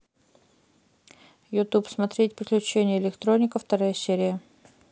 ютуб смотреть приключения электроника вторая серия